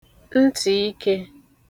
ntị̀ikē